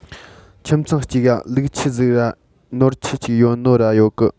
ཁྱིམ ཚང གཅིག ག ལུག ཁྱུ ཟིག ར ནོར ཁྱུ གཅིག ཡོད ནོ ར ཡོད གི